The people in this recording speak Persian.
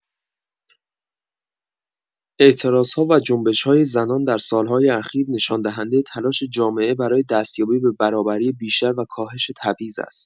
اعتراض‌ها و جنبش‌های زنان در سال‌های اخیر نشان‌دهنده تلاش جامعه برای دستیابی به برابری بیشتر و کاهش تبعیض است.